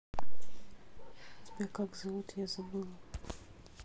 тебя как зовут я забыла